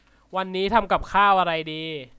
วันนี้ทำกับข้าวอะไรดี